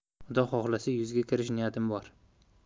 xudo xohlasa yuzga kirish niyatim bor